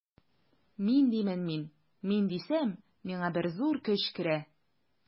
Мин димен мин, мин дисәм, миңа бер зур көч керә.